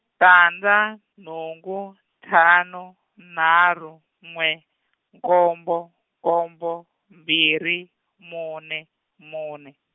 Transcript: tandza nhungu ntlhanu nharhu n'we nkombo nkombo mbirhi mune mune.